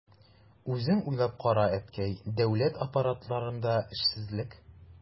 Үзең уйлап кара, әткәй, дәүләт аппаратларында эшсезлек...